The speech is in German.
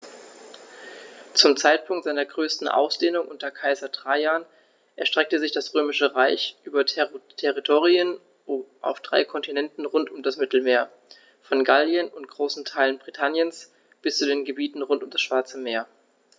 Zum Zeitpunkt seiner größten Ausdehnung unter Kaiser Trajan erstreckte sich das Römische Reich über Territorien auf drei Kontinenten rund um das Mittelmeer: Von Gallien und großen Teilen Britanniens bis zu den Gebieten rund um das Schwarze Meer.